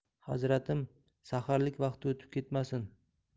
hazratim saharlik vaqti o'tib ketmasin